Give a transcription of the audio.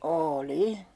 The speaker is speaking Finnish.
oli